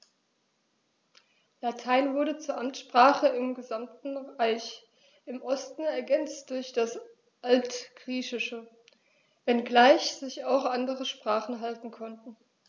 Latein wurde zur Amtssprache im gesamten Reich (im Osten ergänzt durch das Altgriechische), wenngleich sich auch andere Sprachen halten konnten.